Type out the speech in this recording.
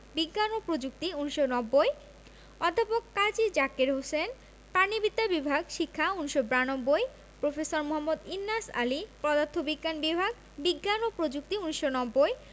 বিজ্ঞান ও প্রযুক্তি ১৯৯০ অধ্যাপক কাজী জাকের হোসেন প্রাণিবিদ্যা বিভাগ শিক্ষা ১৯৯২ প্রফেসর মোঃ ইন্নাস আলী পদার্থবিজ্ঞান বিভাগ বিজ্ঞান ও প্রযুক্তি ১৯৯০